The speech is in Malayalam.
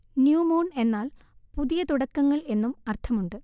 ന്യൂ മൂൺ എന്നാൽ പുതിയ തുടക്കങ്ങൾ എന്നും അര്ഥം ഉണ്ട്